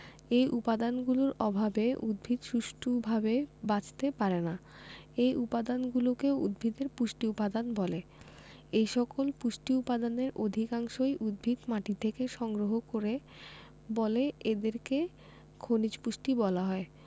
এ উপাদানগুলোর অভাবে উদ্ভিদ সুষ্ঠুভাবে বাঁচতে পারে না এ উপাদানগুলোকে উদ্ভিদের পুষ্টি উপাদান বলে এসকল পুষ্টি উপাদানের অধিকাংশই উদ্ভিদ মাটি থেকে সংগ্রহ করে বলে এদেরকে খনিজ পুষ্টি বলা হয়